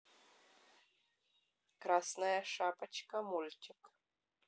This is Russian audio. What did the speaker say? красная шапочка мультик